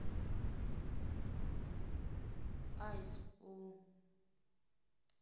айс пул